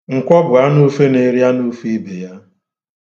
Nkwọ bụ anụufe na-eri anụufe ibe ya.